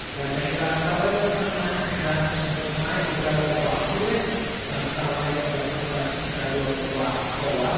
Yym felly mae'r ardaloedd efo'r canrannau ucha o siaradwyr Cymraeg i'w gweld yn y glas tywyll, a'r ardaloedd efo'r canrannau isa i'w weld yn y glas golau.